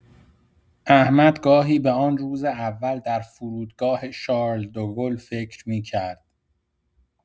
احمد گاهی به آن روز اول در فرودگاه شارل دوگل فکر می‌کرد.